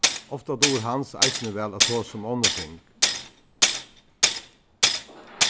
ofta dugir hans eisini væl at tosa um onnur ting